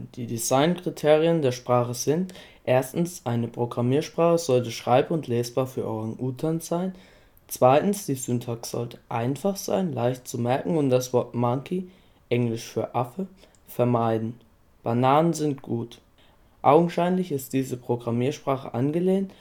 Die Designkriterien der Sprache sind: Eine Programmiersprache sollte schreib - und lesbar für Orang-Utans sein. Die Syntax sollte einfach sein, leicht zu merken und das Wort Monkey (engl. Affe) vermeiden. Bananen sind gut. Augenscheinlich ist diese Programmiersprache angelehnt